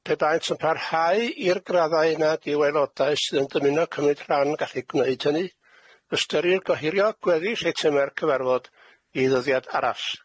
Pe baent yn parhau i'r graddau nad yw aelodau sydd yn dymuno cymryd rhan yn gallu gwneud hynny, ystyrir gohirio gweddill eitemau'r cyfarfod i ddyddiad arall.